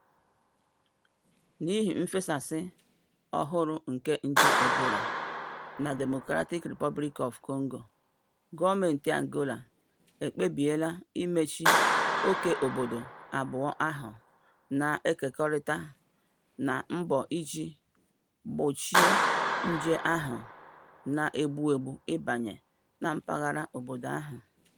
N'ihi mfesa ọhụrụ nke nje ebola na Democratic Republic of Congo, gọọmentị Angola ekpebiela imechi ókè obodo abụọ ahụ na-ekekọrịta, na mbọ iji gbochie nje ahụ na-egbu egbu ịbanye na mpaghara obodo ahụ.